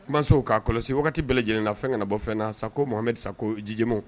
I masow k ka kɔlɔsi wagati bɛɛ lajɛlen na fɛn ka na bɔ fɛn na sa ko mahamadu sago jijamu